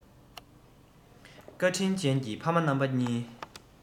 བཀའ དྲིན ཅན གྱི ཕ མ རྣམ པ གཉིས